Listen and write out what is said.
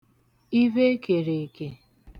ivhe ekèrè èkè